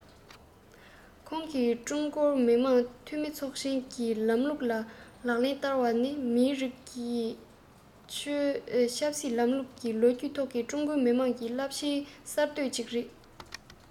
ཁོང གིས ཀྲུང གོར མི དམངས འཐུས མི ཚོགས ཆེན གྱི ལམ ལུགས ལག ལེན བསྟར བ ནི མིའི རིགས ཀྱི ཆབ སྲིད ལམ ལུགས ལོ རྒྱུས ཐོག གི ཀྲུང གོ མི དམངས ཀྱི རླབས ཆེའི གསར གཏོད ཅིག དང